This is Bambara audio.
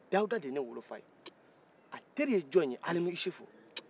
dawuda de ye ne wolo fa ye a teri jon ye alimusufu